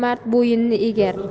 nomard bo'yinni egar